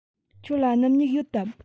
ཁྱོད ལ སྣུམ སྨྱུག ཡོད དམ